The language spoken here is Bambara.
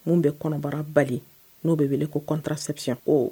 Min bɛ kɔnbara bali n'o bɛ wele ko kɔntara sabuti